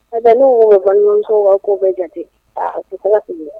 A n'u balimamusow wa k' bɛ jate aa a tɛkala sigi